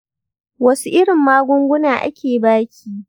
wasu irin magunguna aka baki?